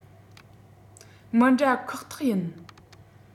མི འདྲ ཁོག ཐག ཡིན